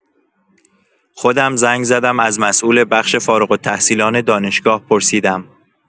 خودم زنگ زدم از مسئول بخش فارغ التحصیلان دانشگاه پرسیدم.